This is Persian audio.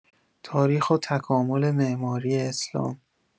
تاریخ و تکامل معماری اسلامی